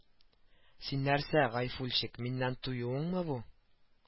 Син нәрсә гайфулчик миннән туюыңмы бу